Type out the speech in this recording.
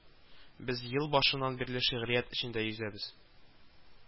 Без ел башыннан бирле шигърият эчендә йөзәбез